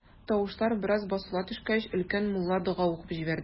Тавышлар бераз басыла төшкәч, өлкән мулла дога укып җибәрде.